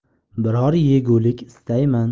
biror yegulik istayman